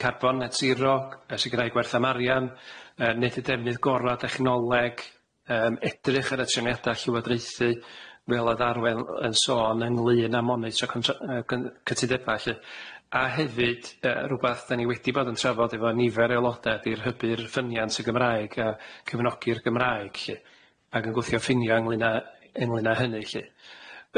carbon net siro yy sicirhau gwerth am arian yy neud y defnydd gora o dechnoleg yym edrych ar y trenfiada llywodraethu, fel o'dd Arwel yy yn sôn ynglyn â monitro contra- yy gyn- cytudeba' lly, a hefyd yy rwbath 'dan ni wedi bod yn trafod efo nifer o aelodau ydi'r hybu'r ffyniant y Gymraeg a cefnogi'r Gymraeg lly, ag yn gwthio ffinia ynglyn â yngly â hynny lly.